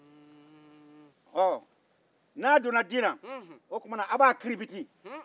n'a donna di la o tuma a' b'a kiribiti